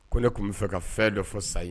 Ko ne tun bɛ fɛ ka fɛn dɔ fɔ sa yen